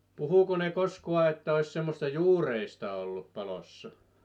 puhuiko ne koskaan että olisi semmoista juureista ollut palossa